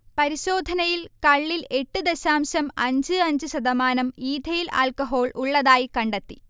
പരിശോധനയിൽ കള്ളിൽ എട്ട് ദശാംശം അഞ്ച് അഞ്ച് ശതമാനം ഈഥൈൽ അൽക്കഹോൾ ഉള്ളതായി കണ്ടെത്തി